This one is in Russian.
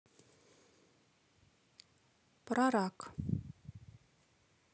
про рак